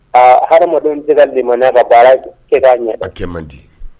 Aa hadamadenw tɛ ka de ma n'a ka baara e'a ɲɛ a kɛ man di